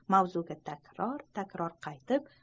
mavzuga takror takror qaytib